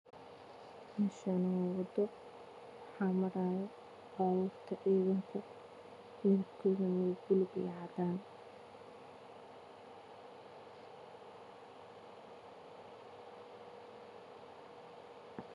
Meeshaani waa wado baabuurna ciidanka midabkooda madow cadaan